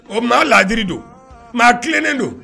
O, maa laadiri don , maa tilenen don.